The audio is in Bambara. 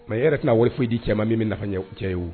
Mais yarɔ e tɛna wari foyi di cɛ ma min bɛ nafa ɲɛnw cɛ ye o.